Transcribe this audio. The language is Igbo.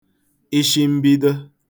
ishi mbido